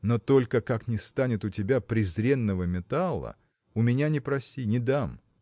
– но только как не станет у тебя презренного металла у меня не проси – не дам.